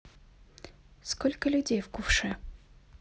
сколько людей в кушве